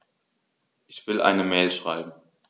Ich will eine Mail schreiben.